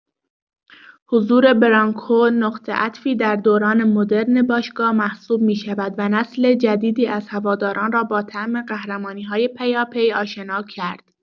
حضور برانکو نقطه عطفی در دوران مدرن باشگاه محسوب می‌شود و نسل جدیدی از هواداران را با طعم قهرمانی‌های پیاپی آشنا کرد.